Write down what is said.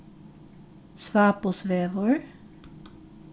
svabosvegur